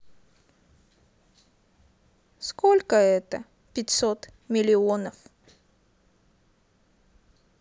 сколько это пятьсот миллионов